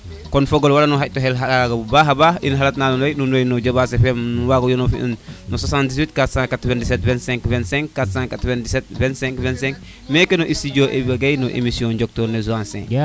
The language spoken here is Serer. kon fogole warano xaƴ to xel bu baxa baax in xelatiuna nuun rek nuun way no jofas Fm wago yono fo in 784972525 4972525 meke no studio Iba gueye no emission njoktor ne Zancier